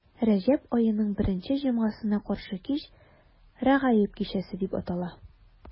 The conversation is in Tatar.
Рәҗәб аеның беренче җомгасына каршы кич Рәгаиб кичәсе дип атала.